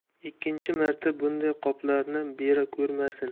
ikkinchi marta bunday qoplarni bera ko'rmasin